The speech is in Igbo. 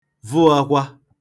vụ ākwā